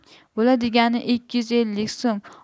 bo'ladigani ikki yuz ellik so'm